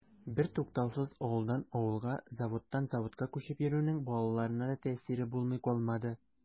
Бертуктаусыз авылдан авылга, заводтан заводка күчеп йөрүнең балаларына да тәэсире булмый калмады.